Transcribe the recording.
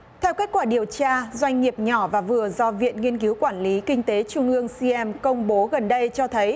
theo kết quả điều tra doanh nghiệp nhỏ và vừa do viện nghiên cứu quản lý kinh tế trung ương xi em công bố gần đây cho thấy